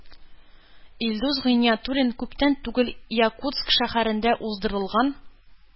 Илдус Гыйниятуллин күптән түгел Якутск шәһәрендә уздырылган